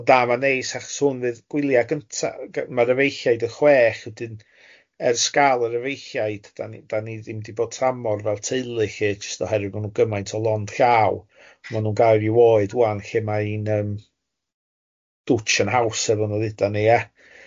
Ie o da ma'n neis achos hwn fydd gwylia gynta g- ma'r efeilliaid yn chwech wedyn ers gael yr efeilliaid dan ni dan ni ddim wedi bod tan mor fel teulu lly jyst oherwydd ma' nhw gymaint o lond llaw ma' nhw'n gael ryw oed ŵan lle ma' un yym dwtch yn haws efo nhw ddeudan ni ia.